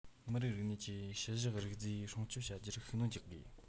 མི རིགས རིག གནས ཀྱི ཤུལ བཞག རིག རྫས སྲུང སྐྱོབ བྱ རྒྱུར ཤུགས སྣོན རྒྱག དགོས